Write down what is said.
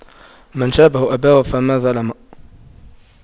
من شابه أباه فما ظلم